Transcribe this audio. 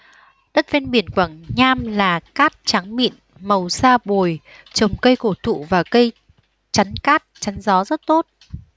đất ven biển quảng nham là cát trắng mịn màu sa bồi trồng cây cổ thụ và cây chắn cát chắn gió rất tốt